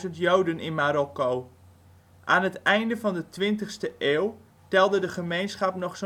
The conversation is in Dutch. Joden in Marokko. Aan het einde van de 20ste eeuw telde de gemeenschap nog